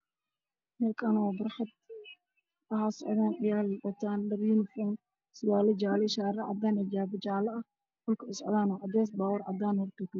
Waa barxad caruur dhar cadaan wadato iyo jaale iyo baabuur